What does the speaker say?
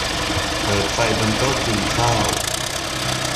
เปิดไฟบนโต๊ะกินข้าว